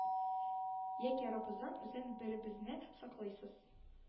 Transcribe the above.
Яки арабыздан үзең беребезне саклыйсыз